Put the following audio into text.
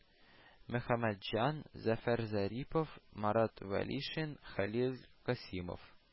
Мөхәммәтҗан, Зөфәр Зарипов, Марат Вәлишин, Хәлил Касыймов,